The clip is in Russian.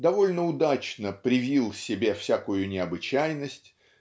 довольно удачно привил себе всякую необычайность